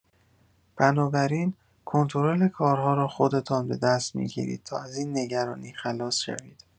بنابر این کنترل کارها را خودتان به دست می‌گیرید تا از این نگرانی خلاص شوید.